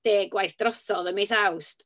deg gwaith drosodd yn mis Awst.